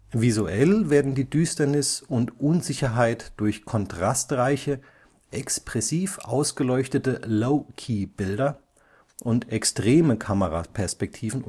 Visuell werden die Düsternis und Unsicherheit durch kontrastreiche, expressiv ausgeleuchtete Low-key-Bilder und extreme Kameraperspektiven